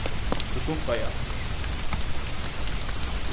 tú dumpaði aftur